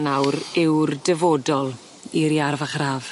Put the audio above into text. ###nawr yw'r dyfodol i'r iar ffach yr 'af?